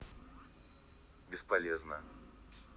бесполезно